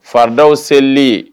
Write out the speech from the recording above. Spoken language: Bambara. Fada selenlen ye